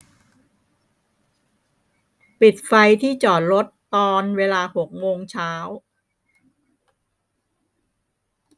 ปิดไฟที่จอดรถตอนเวลาหกโมงเช้า